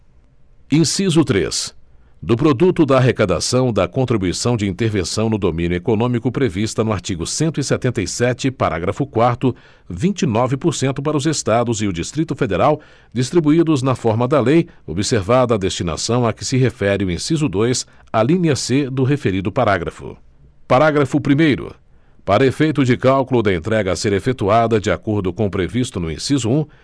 inciso três do produto da arrecadação da contribuição de intervenção no domínio econômico prevista no artigo cento e setenta e sete parágrafo quarto vinte e nove por cento para os estados e o distrito federal distribuídos na forma da lei observada a destinação a que se refere o inciso dois alínea c do referido parágrafo parágrafo primeiro para efeito de cálculo da entrega a ser efetuada de acordo com o previsto no inciso um